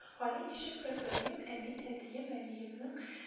Гали ничектер, белмим, ә мин әтием, әниемнең